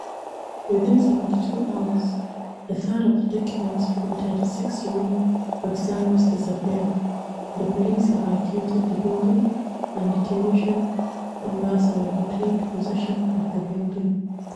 Within 72 hours, a third of the documents from 36 rue Botzaris disappeared, the police evacuated the building and the (Tunisian) ambassador reclaimed possession of the building.